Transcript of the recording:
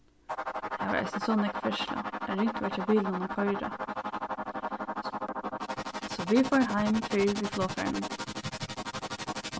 har var eisini so nógv ferðsla at ringt var hjá bilinum at koyra so vit fóru heim fyrr við flogfarinum